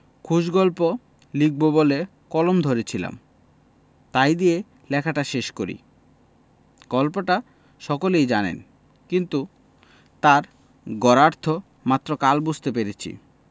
খুশ গল্প লিখব বলে কলম ধরেছিলাম তাই দিয়ে লেখাটা শেষ করি গল্পটা সকলেই জানেন কিন্তু তার গূঢ়ার্থ মাত্র কাল বুঝতে পেরেছি